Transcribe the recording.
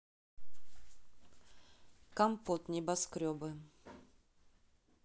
компот небоскребы